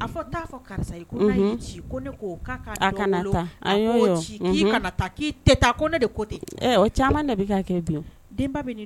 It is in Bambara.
A ne